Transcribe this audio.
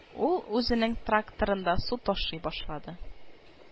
Ул үзенең Тракторында су ташый башлады